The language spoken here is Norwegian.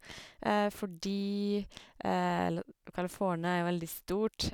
Fordi lo California er jo veldig stort.